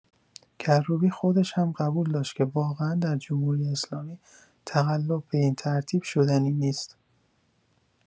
کروبی خودش هم قبول داشت که واقعا در جمهوری‌اسلامی تقلب به این ترتیب شدنی نیست.